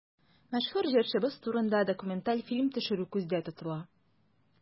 Мәшһүр җырчыбыз турында документаль фильм төшерү күздә тотыла.